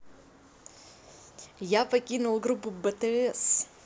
я покинул группу bts